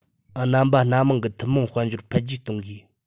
རྣམ པ སྣ མང གི ཐུན མོང དཔལ འབྱོར འཕེལ རྒྱས གཏོང དགོས